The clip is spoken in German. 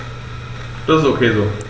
Das ist ok so.